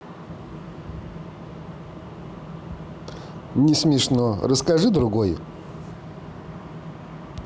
не смешно расскажи другой